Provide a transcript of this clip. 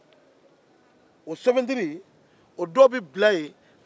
o souvenir dɔw bɛ bila yen